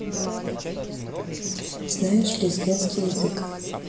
знаешь лезгинский язык